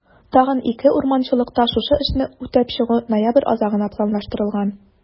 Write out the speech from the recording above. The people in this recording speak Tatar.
Тагын 2 урманчылыкта шушы эшне үтәп чыгу ноябрь азагына планлаштырылган.